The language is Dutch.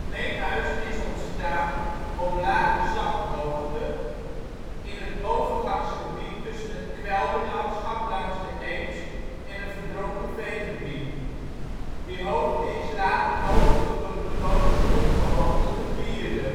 Meedhuizen is ontstaan op lage zandhoogte in het overgangsgebied tussen het kwelderlandschap langs de Eems en een verdronken veengebied. Die hoogte is later mogelijk door de bewoners opgehoogd tot een wierde.